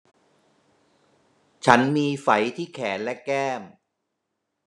ฉันมีไฝที่แขนและแก้ม